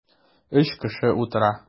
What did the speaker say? Өч кеше утыра.